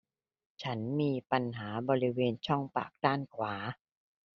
ฉันมีปัญหาบริเวณช่องปากด้านขวา